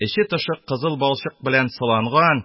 Эче, тышы кызыл балчык белән сыланган,